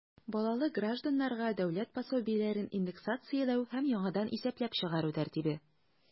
Балалы гражданнарга дәүләт пособиеләрен индексацияләү һәм яңадан исәпләп чыгару тәртибе.